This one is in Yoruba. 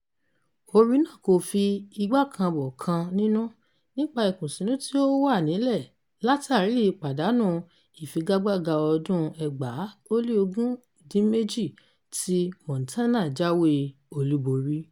Orin náà kò fi igbákanbọ̀kan nínú nípa ìkùnsínú tí ó wà nílẹ̀ látàrí ìpàdánù ìfigagbága ọdún 2018 tí Montana jáwé olúborí.